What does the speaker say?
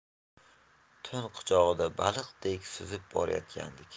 tun quchog'ida baliqdek suzib borayotgandik